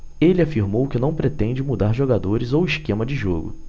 ele afirmou que não pretende mudar jogadores ou esquema de jogo